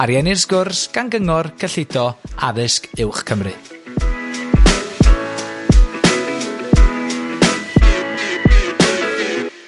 Arienir sgwrs gan gyngor cyllido addysg uwch Cymru.